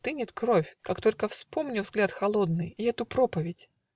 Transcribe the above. - стынет кровь, Как только вспомню взгляд холодный И эту проповедь.